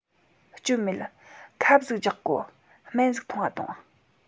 སྐྱོན མེད ཁབ ཟིག རྒྱག དགོ སྨན ཟིག ཐུངས ང ཐོངས